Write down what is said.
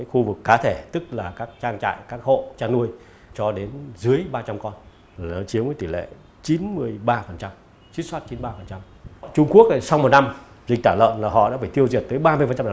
khu vực cá thể tức là các trang trại các hộ chăn nuôi cho đến dưới ba trăm con lửa chiếm tỷ lệ chín mươi ba phần trăm suýt soát chín ba phần trăm trung quốc sau một năm dịch tả lợn là họ đã bị tiêu diệt tới ba phần trăm